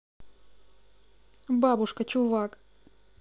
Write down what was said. бабушка чувак